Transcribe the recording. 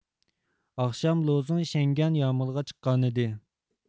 ئاخشام لوزۇڭ شەڭگەن يامۇلغا چىققانىدى